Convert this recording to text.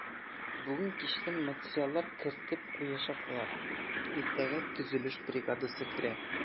Бүген кичтән материаллар кертеп куячаклар, иртәгә төзелеш бригадасы керә.